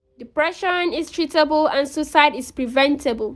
Depression is treatable and suicide is preventable.